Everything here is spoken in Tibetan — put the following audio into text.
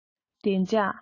བདེ འཇགས